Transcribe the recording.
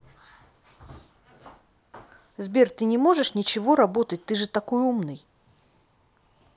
сбер ты не можешь ничего работать ты же такой умный